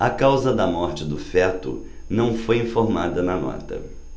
a causa da morte do feto não foi informada na nota